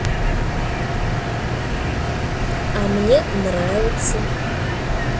а мне нравится